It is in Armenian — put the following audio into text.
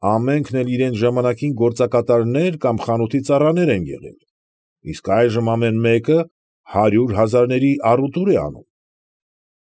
Ամենքն էլ իրենց ժամանակին գործակատարներ կամ խանութի ծառաներ են եղել, իսկ այժմ ամեն մեկը հարյուր հազարների առուտուր է անում։